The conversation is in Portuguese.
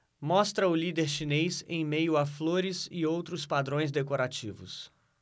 mostra o líder chinês em meio a flores e outros padrões decorativos